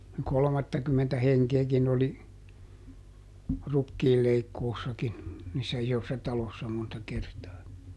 kolmattakymmentä henkeäkin oli rukiinleikkuussakin niissä isoissa taloissa monta kertaa